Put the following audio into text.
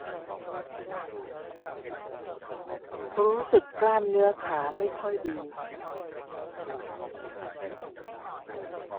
รู้สึกกล้ามเนื้อขาไม่ค่อยดี